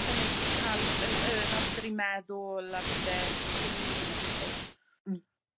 itha neis i ca'l y y yr amser i meddwl a pethe cyn 'ny fi'n meddwl. Hmm.